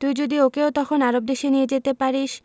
তুই যদি ওকেও তখন আরব দেশে নিয়ে যেতে পারিস